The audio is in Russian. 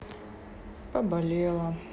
поболело